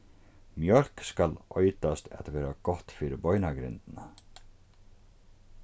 mjólk skal eitast at vera gott fyri beinagrindina